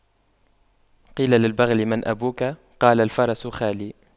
قيل للبغل من أبوك قال الفرس خالي